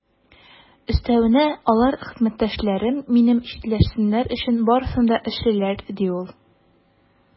Өстәвенә, алар хезмәттәшләрем миннән читләшсеннәр өчен барысын да эшлиләр, - ди ул.